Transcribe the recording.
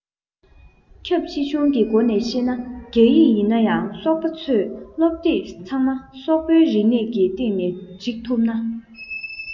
ཁྱབ ཆེ ཆུང གི སྒོ ནས བཤད ན རྒྱ ཡིག ཡིན ཡང སོག པོ ཚོས སློབ དེབ ཚང མ སོག པོའི རིག གནས ཀྱི སྟེང ནས སྒྲིག ཐུབ ན